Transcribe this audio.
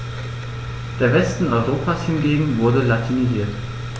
Der Westen Europas hingegen wurde latinisiert.